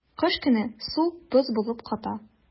Кыш көне су боз булып ката.